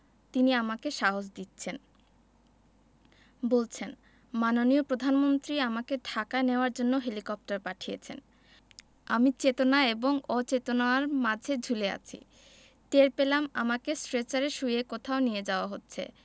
তিনি আমাকে সাহস দিচ্ছেন বলছেন মাননীয় প্রধানমন্ত্রী আমাকে ঢাকায় নেওয়ার জন্য হেলিকপ্টার পাঠিয়েছেন আমি চেতনা এবং অচেতনার মাঝে ঝুলে আছি টের পেলাম আমাকে স্ট্রেচারে শুইয়ে কোথাও নিয়ে যাওয়া হচ্ছে